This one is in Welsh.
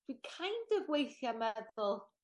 dwi kind of weithia' meddwl